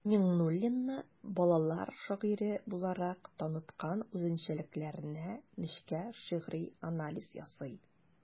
Миңнуллинны балалар шагыйре буларак таныткан үзенчәлекләренә нечкә шигъри анализ ясый.